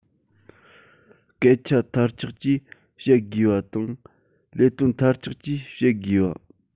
སྐད ཆ མཐར ཆགས ཀྱིས བཤད དགོས པ དང ལས དོན མཐར ཆགས ཀྱིས བྱེད དགོས པ